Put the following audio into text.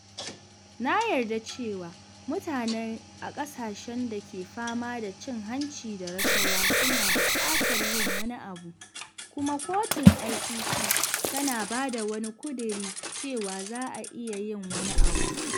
Na yarda cewa mutane a ƙasashen da ke fama da cin hanci da rashawa suna buƙatar yin wani abu, kuma kotun ICC tana ba da wani kudiri cewa za a iya yin wani abu.